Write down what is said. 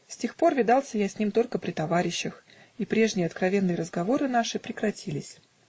С тех пор видался я с ним только при товарищах, и прежние откровенные разговоры наши прекратились.